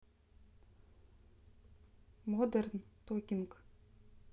модерн токинг